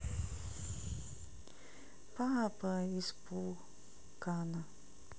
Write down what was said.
папапа из пукана